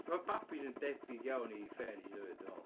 Ma' babis yn debyg iawn i fairies hefyd, dwi'n meddwl.